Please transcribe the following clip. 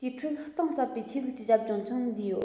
དེའི ཁྲོད གཏིང ཟབ པའི ཆོས ལུགས ཀྱི རྒྱབ ལྗོངས ཀྱང འདུས ཡོད